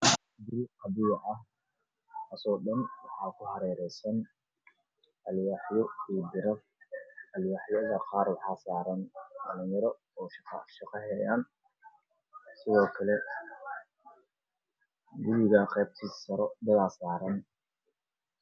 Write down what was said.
Waa guri qabyo ah waxaa ku hareeresan alwaaxyo